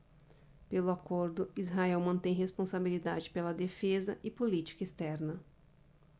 pelo acordo israel mantém responsabilidade pela defesa e política externa